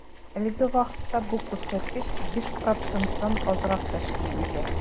Әлеге вакытта бу күрсәткеч 5 проценттан азрак тәшкил итә.